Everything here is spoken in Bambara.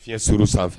Fiyɛnsuru sanfɛ